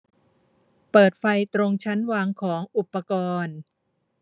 เปิดไฟตรงชั้นวางของอุปกรณ์